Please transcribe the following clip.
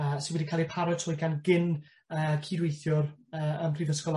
a sy wedi ca'l ei paratoi gan gyn yy cydweithiwr yy ym mhrifysgol...